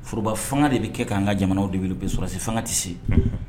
Foroba fanga de bɛ kɛ ka' ka jamanaw de wilisɔrɔsi fanga tɛ se